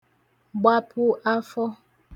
gbapụ afọ